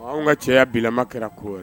Anw ka caya bilama kɛra ko wɛrɛ